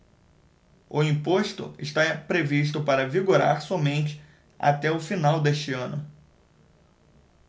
o imposto está previsto para vigorar somente até o final deste ano